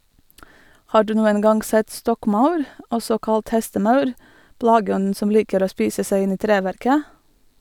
Har du noen gang sett stokkmaur , også kalt hestemaur, plageånden som liker å spise seg inn i treverket?